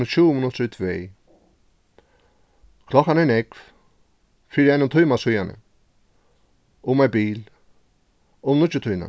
hon er tjúgu minuttir í tvey klokkan er nógv fyri einum tíma síðani um eitt bil um níggjutíðina